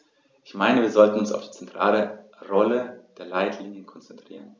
Ich meine, wir sollten uns auf die zentrale Rolle der Leitlinien konzentrieren.